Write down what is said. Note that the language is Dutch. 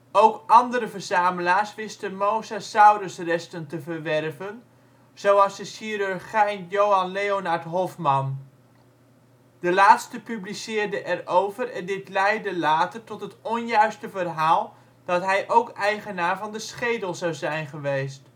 Ook andere verzamelaars wisten mosasaurusresten te verwerven, zoals de chirurgijn Johann Leonard Hoffmann. De laatste publiceerde erover en dit leidde later tot het onjuiste verhaal dat hij ook eigenaar van de schedel zou zijn geweest